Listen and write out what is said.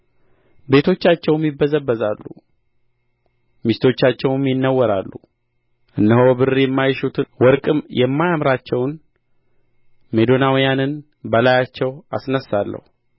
ቤቶቻቸውም ይበዘበዛሉ ሚስቶቻቸውም ይነወራሉ እነሆ ብር የማይሹትን ወርቅም የማያምራቸውን ሜዶናውያንን በላያቸው አስነሣለሁ